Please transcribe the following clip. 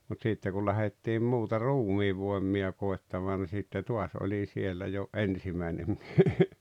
mutta sitten kun lähdettiin muuta ruumiinvoimia koettamaan niin sitten taas olin siellä jo ensimmäinen mies